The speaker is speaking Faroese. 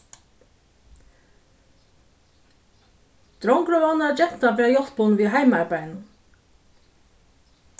drongurin vónar at gentan fer at hjálpa honum við heimaarbeiðinum